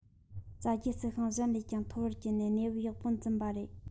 རྩྭ རྒྱུ རྩི ཤིང གཞན ལས ཀྱང མཐོ བར གྱུར ནས གནས བབ ཡག པོ འཛིན པ རེད